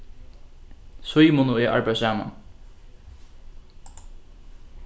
símun og eg arbeiða saman